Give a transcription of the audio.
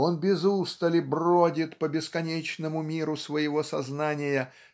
Он без устали бродит по бесконечному миру своего сознания